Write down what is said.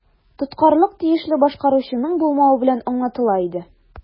Тоткарлык тиешле башкаручының булмавы белән аңлатыла иде.